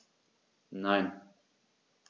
Nein.